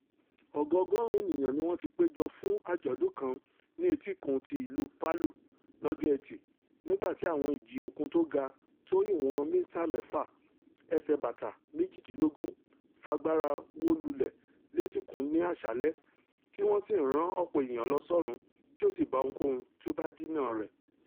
Ọgọ-ọgọ́ọ̀rún ènìyàn niwọń tipéjọ fun àjọ̀dún kan ní etíkun ti ìlú Palu lọ́jọ́ Ẹtì nígbà ti àwọn ìjì òkun tóga tó ìwọ̀n mítà mẹ́fà (ẹsẹ̀ bàtà 18) fagbára wólulẹ̀ létíkun ní àṣalẹ́, tí wọ́n sì rán ọ̀pọ̀ ènìyàn lọ sọ́run tí ó sì bá ohunkóhun tó bá dínà rẹ̀.